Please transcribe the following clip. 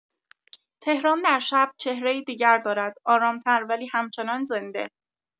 تهران در شب، چهره‌ای دیگر دارد؛ آرام‌تر، ولی همچنان زنده.